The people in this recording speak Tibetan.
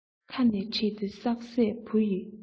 ཁ ནས ཕྲིས ཏེ བསགས ཚད བུ ཡི དོན